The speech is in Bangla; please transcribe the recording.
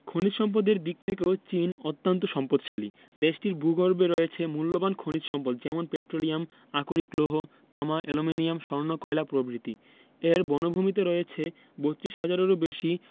খনিজ সম্পদের দিক থেকেও চীন অত্যান্ত সম্পদশালী দেশটির ভূগর্ভে রয়েছে মুল্যবান খনিজ সম্পদ যেমন পেট্রোলিয়াম আকরিক লৌহ তামা অ্যালুমিনিয়াম স্বর্ণ কয়লা প্রভৃতি এর বনভূমিতে রয়েছে ৩২ হাজারেরও বেশি